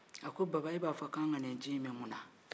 a ko baba e b'a fɔ an ka nin ji in min mun na